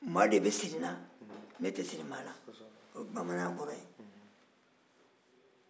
maa de bɛ siri n na ne tɛ siri maa na o ye bamananya kɔrɔ ye